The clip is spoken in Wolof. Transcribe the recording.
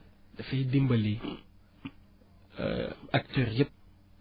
dafay dimbali acteurs yépp